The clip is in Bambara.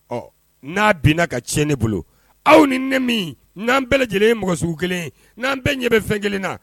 Ɔ n'a bin ka ti ne bolo aw ni ne min n'an bɛɛ lajɛlen ye mɔgɔsiw kelen n'an bɛɛ ɲɛ bɛ fɛn kelen na